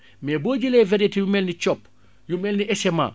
mais boo jëlee variété yu mel ni cob yu mel ni SMA